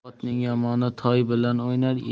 otning yomoni toy bilan o'ynar